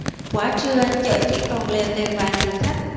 quá trưa chợ chỉ còn lèo tèo vài người khách